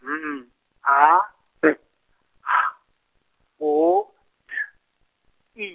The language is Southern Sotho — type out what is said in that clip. M A P H O D I.